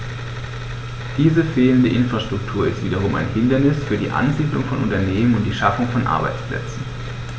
Diese fehlende Infrastruktur ist wiederum ein Hindernis für die Ansiedlung von Unternehmen und die Schaffung von Arbeitsplätzen.